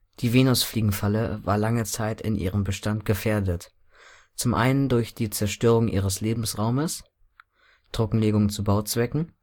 Die Venusfliegenfalle war lange Zeit in ihrem Bestand gefährdet, zum einen durch die Zerstörung ihres Lebensraumes (Trockenlegung zu Bauzwecken